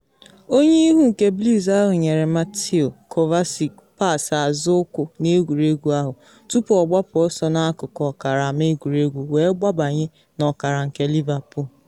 Onye ihu nke Blues ahụ nyere Mateo Kovacic pass azụ ụkwụ n’egwuregwu ahụ, tupu ọ gbapụ ọsọ n’akụkụ ọkara ama egwuregwu wee gbabanye n’ọkara nke Liverpool.